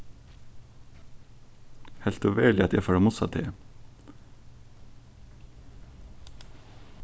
helt tú veruliga at eg fór at mussa teg